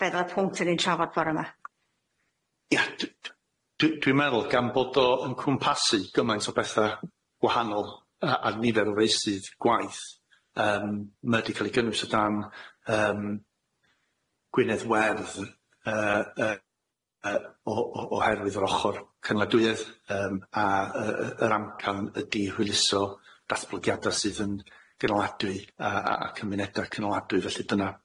Beth o'dd y pwnt o'n i'n trafod bore ma'? Ia d- d- dwi'n meddwl gan bod o yn cwmpasu gymaint o betha' wahanol yy ar nifer o feusydd gwaith yym ma' di ca'l ei gynnwys o dan yym Gwynedd Werdd yy yy yy o o o oherwydd yr ochor cynaladwyedd yym a yy yr amcan ydi hwyluso datblygiada sydd yn gynaladwy a a a cymuneda cynaladwy felly dyna